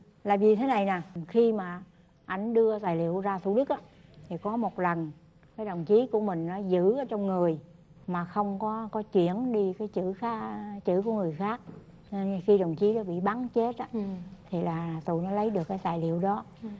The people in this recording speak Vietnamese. là vì thế này nè khi mà ảnh đưa tài liệu ra thủ đức á thì có một lần cái đồng chí của mình á giữ ở trong người mà không có có chuyển đi cái chỗ khác chỗ của người khác khi đồng chí đó bị bắn chết á thì là tụi nó lấy được cái tài liệu đó